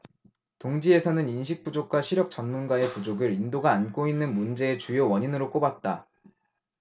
동 지에서는 인식 부족과 시력 전문가의 부족을 인도가 안고 있는 문제의 주요 원인으로 꼽았다